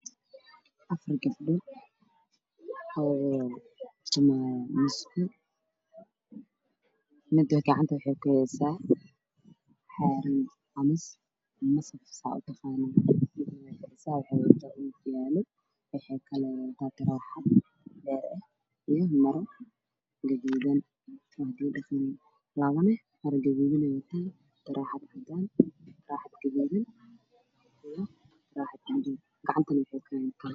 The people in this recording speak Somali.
Afar gabdho oo tumaayaan misgo minda gacanta waxay Ku haysaa xaarin ama masaf saa u taqaaniin waxay wadataa ookiyaalo waxey kaloo wadataa taraaxad beer eh iyo maro gaduudan hido iyo dhaqan labneh dhar gaduudanee wataan taarax cadaan taraaxad gaduudan taraaxad buluug gacantan waxay ku heeyaan kal